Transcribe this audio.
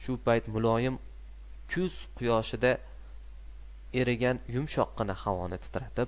shu payt muloyim kuz quyoshida erigan yumshoqqina havoni titratib